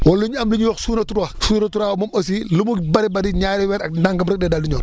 wala ñu am li ñuy wax suuna trois suuna trois moom aussi lu mu bëri bëri ñaari weer ak nangam rek day daal di ñor